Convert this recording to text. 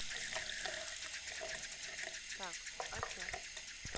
так а че